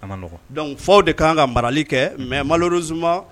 A ma nɔgɔn donc faw de kan ka marali kɛɛ mais malheureusemnt